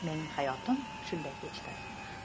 mening hayotim qanday kechdi